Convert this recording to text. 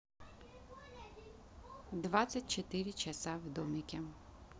двадцать четыре часа в домике